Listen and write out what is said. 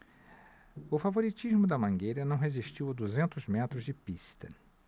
o favoritismo da mangueira não resistiu a duzentos metros de pista